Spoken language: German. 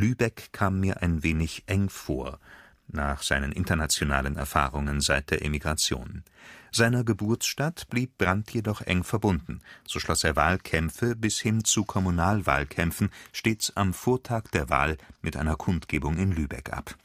Lübeck kam mir ein wenig eng vor “, nach seinen internationalen Erfahrungen seit der Emigration. Seiner Geburtsstadt blieb Brandt jedoch eng verbunden. So schloss er Wahlkämpfe bis hin zu Kommunalwahlkämpfen stets am Vortag der Wahl mit einer Kundgebung in Lübeck ab